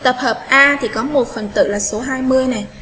tập hợp a thì có phần tử là số là